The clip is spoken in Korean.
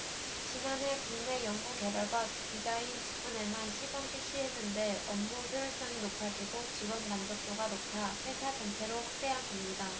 지난해 국내 연구개발과 디자인 직군에만 시범 실시했는데 업무 효율성이 높아지고 직원 만족도가 높아 회사 전체로 확대한 겁니다